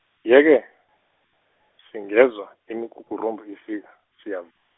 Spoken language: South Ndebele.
yeke, singezwa imikukurumbu ifika siya.